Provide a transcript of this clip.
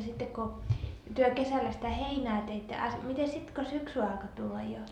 sitten kun te kesällä sitä heinää teitte a miten sitten kun syksy alkoi tulla jo